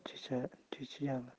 yoshga qaraydimi kuchgami